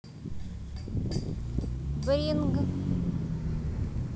bring